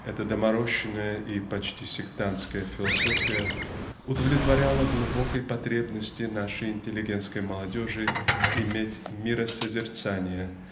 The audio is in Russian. Эта доморощенная и почти сектантская философия удовлетворяла глубокой потребности нашей интеллигентской молодежи иметь "миросозерцание"